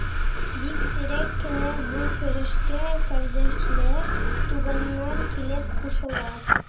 Бик сирәк кенә бу көрәшкә кардәшләр, туганнар килеп кушыла.